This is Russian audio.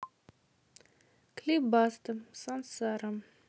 клип баста сансара